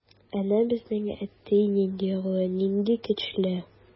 Әнә безнең әти нинди олы, нинди көчле.